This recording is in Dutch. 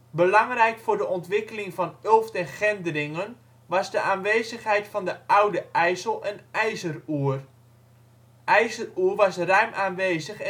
Belangrijk voor de ontwikkeling van Ulft en Gendringen was de aanwezigheid van de Oude IJssel en ijzeroer. IJzeroer was ruim aanwezig